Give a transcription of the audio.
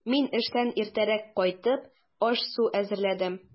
Мин, эштән иртәрәк кайтып, аш-су әзерләдем.